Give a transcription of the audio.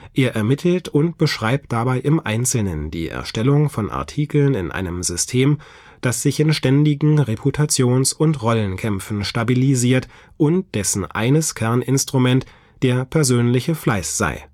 Er ermittelt und beschreibt dabei im Einzelnen die Erstellung von Artikeln in einem System, das sich in ständigen Reputations - und Rollenkämpfen stabilisiert und dessen eines Kerninstrument der persönliche Fleiß sei